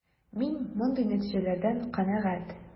Мин мондый нәтиҗәләрдән канәгать.